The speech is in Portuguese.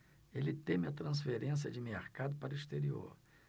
ele teme a transferência de mercado para o exterior